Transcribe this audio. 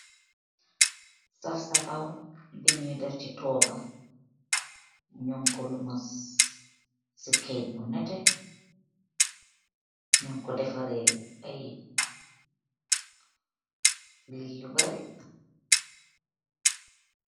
Saf safall, binyew def ce togaa, nyew ko lomoss ce kekyyiti nehteh nyew ko dehfareh ayy lubaar